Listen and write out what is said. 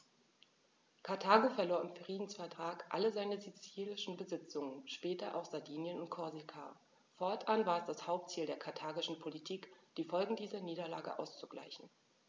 Karthago verlor im Friedensvertrag alle seine sizilischen Besitzungen (später auch Sardinien und Korsika); fortan war es das Hauptziel der karthagischen Politik, die Folgen dieser Niederlage auszugleichen.